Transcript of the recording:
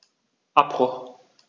Abbruch.